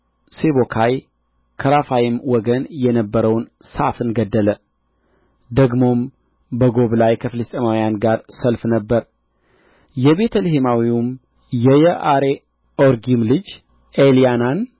ሴቦካይ ከራፋይም ወገን የነበረውን ሳፍን ገደለ ደግሞም በጎብ ላይ ከፍልስጥኤማውያን ጋር ሰልፍ ነበረ የቤተ ልሔማዊውም የየዓሬኦርጊም ልጅ ኤልያናን